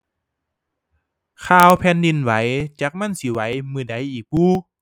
ข่าวแผ่นดินไหว จักมันสิไหวมื้อใดอีกบุ